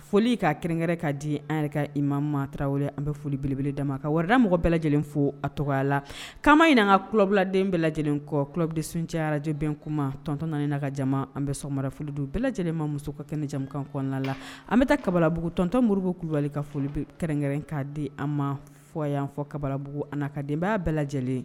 Foli ka kɛrɛnkɛrɛn ka di an yɛrɛ i ma ma tarawele an bɛ foli belebele dama ma ka wɛrɛda mɔgɔ bɛɛ lajɛlen fo a tɔgɔ la kaana in an ka kubiladen bɛɛ lajɛlen kɔ kub soncɛ arajbɛn kuma tɔn9 na ka jama an bɛ soraf don bɛɛ lajɛlen ma muso ka kɛnɛjakan kɔnɔna la an bɛ taa kabalaugutɔntɔn moriuru ku kulubalibali ka foli kɛrɛnkɛrɛn ka di an ma fɔ fɔ kababugu ani kadenbaya bɛɛ lajɛlen